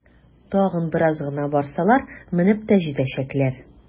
Тагын бераз гына барсалар, менеп тә җитәчәкләр!